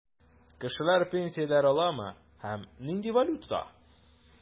Кешеләр пенсияләр аламы һәм нинди валютада?